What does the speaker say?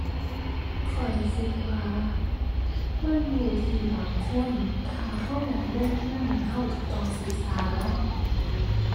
ข้อยคิดว่า มันอยู่ที่บางคน ถ้าคิดอยากลงทุนคิดคิดต้องศึกษา